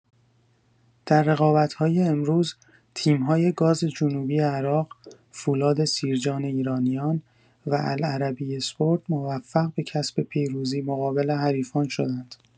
در رقابت‌های امروز تیم‌های گاز جنوبی عراق، فولاد سیرجان ایرانیان، و العربی اسپورت موفق به کسب پیروزی مقابل حریفان شدند.